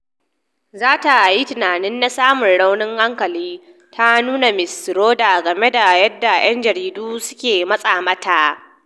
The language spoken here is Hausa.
"Za ka yi tunanin na samu raunin hankali," ta tuna Ms. Schroeder game da yadda 'yan jarida suka matsa mata.